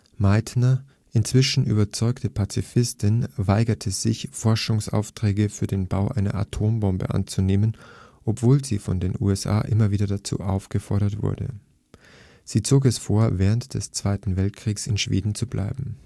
Meitner, inzwischen überzeugte Pazifistin, weigerte sich, Forschungsaufträge für den Bau einer Atombombe anzunehmen, obwohl sie von den USA immer wieder dazu aufgefordert wurde. Sie zog es vor, während des Zweiten Weltkrieges in Schweden zu bleiben